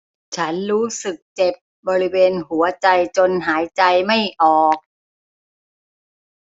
ฉันรู้สึกเจ็บบริเวณหัวใจจนหายใจไม่ออก